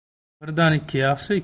birdan ikki yaxshi